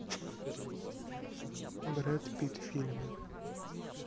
бред пит фильмы